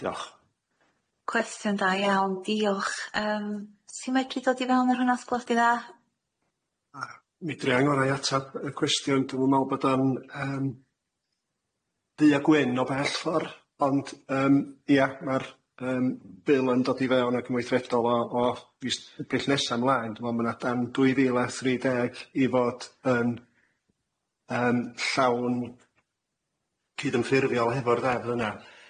Diolch. Cwestiwn da iawn, diolch yym ti'n medru dod i fewn yr hwnna os gwelwch di dda? Yy mi dria'i'n ngorau i atab y cwestiwn, dwi'm'n me'wl bod o'n yym ddu a gwyn o bell ffor' ond yym ia ma'r yym bil yn dod i fewn ag yn weithredol o o fis Ebrill nesa mlaen, dwi me'wl ma' 'na dan dwy fil a thri deg i fod yn yym llawn cydymffurfiol hefo'r ddeddf yna.